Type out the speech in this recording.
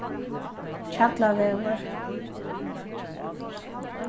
hjallavegur